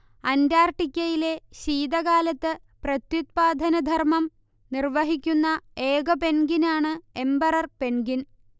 അന്റാർട്ടിക്കയിലെ ശീതകാലത്ത് പ്രത്യുത്പാധനധർമ്മം നിർവഹിക്കുന്ന ഏക പെൻഗ്വിനാണ് എമ്പറർ പെൻഗ്വിൻ